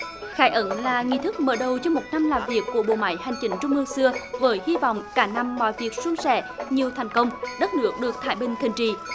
khai ấn là nghi thức mở đầu cho một năm làm việc của bộ máy hành chính trung ương xưa với hy vọng cả năm mọi việc suôn sẻ nhiều thành công đất nước được thái bình thịnh trị